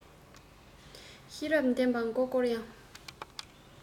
ཤེས རབ ལྡན པ མགོ བསྐོར ཡང